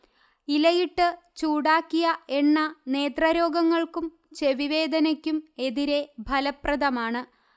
ഇലയിട്ട് ചൂടാക്കിയ എണ്ണ നേത്രരോഗങ്ങൾക്കും ചെവിവേദനയ്ക്കും എതിരെ ഫലപ്രദമാണ്